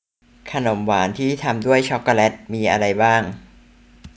ขนมหวานที่ทำด้วยช็อกโกแลตมีอะไรบ้าง